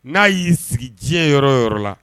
N'a y'i sigi diɲɛ yɔrɔ yɔrɔ la